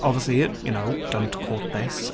Obviously, you know, don't quote this.